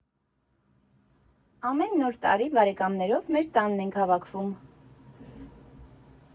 Ամեն Նոր տարի բարեկամներով մեր տանն ենք հավաքվում։